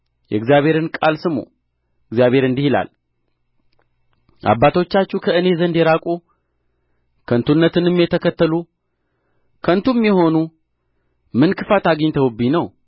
የእግዚአብሔርን ቃል ስሙ እግዚአብሔር እንዲህ ይላል አባቶቻችሁ ከእኔ ዘንድ የራቁ ከንቱነትንም የተከተሉ ከንቱም የሆኑ ምን ክፋት አግኝተውብኝ ነው